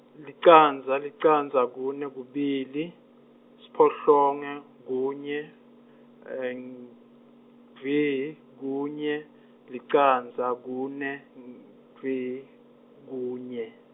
licandza, licandza, kune, kubili, siphohlongo, kunye, dvwi, kunye, licandza, kune , dvwi, kunye.